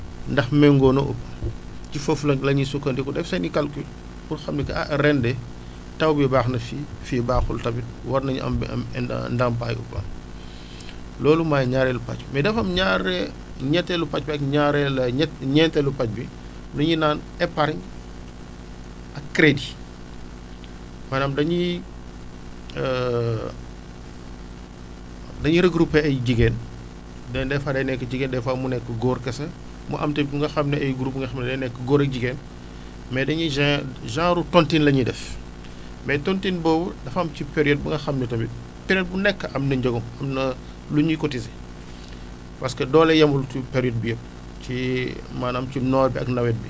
ndax méngoo na ou pas ci foofu la ñuy sukkandiku def seen i calcul pour ni kat ah ren de taw bi baax na fii fii baaxul tamit war nañu am ba am indem ndampaay ou pas loolu mooy ñaareelu pàcc bi mais dafa am ñaare ñetteelu pàcc bi ak ñaareel ñett ñeenteelu pàcc bi lu ñuy naan épargne ak crédit maanaam dañuy dañuy regrouper ay jigéen des des fois day nekk jigéen des fois mu nekk góor kese mu am tamit ñu nga xam ne ay groupe nga xam ne day nekk góor ak jigéen mais dañuy join genre tontin la ñuy def mais tontin boobu dafa am ci période bu nga xam ne tamit période bu nekk am na njëgam am na lu ñuy cotiser parec que doole yemul ci période bi yëpp ci maanaam ci noor bi ak nawet bi